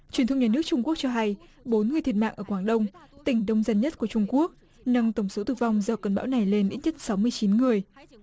truyền thông nhà nước trung quốc cho hay bốn người thiệt mạng ở quảng đông tỉnh đông dân nhất của trung quốc nâng tổng số tử vong do cơn bão này lên ít nhất sáu mươi chín người